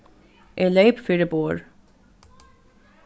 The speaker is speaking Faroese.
eg leyp fyri borð